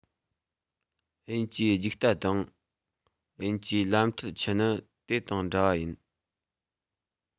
དབྱིན ཇིའི རྒྱུག རྟ དང དབྱིན ཇིའི ལམ ཁྲིད ཁྱི ནི དེ དང འདྲ བ ཡིན